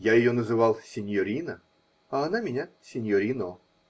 Я ее называл "синьорина", она меня "синьорино".